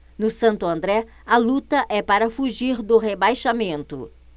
no santo andré a luta é para fugir do rebaixamento